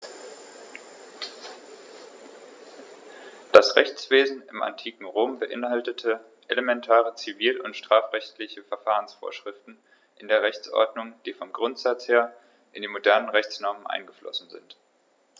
Das Rechtswesen im antiken Rom beinhaltete elementare zivil- und strafrechtliche Verfahrensvorschriften in der Rechtsordnung, die vom Grundsatz her in die modernen Rechtsnormen eingeflossen sind.